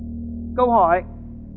câu hỏi